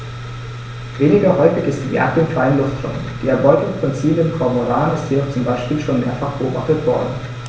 Weniger häufig ist die Jagd im freien Luftraum; die Erbeutung von ziehenden Kormoranen ist jedoch zum Beispiel schon mehrfach beobachtet worden.